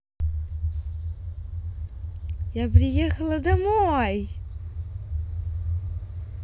я приехала домой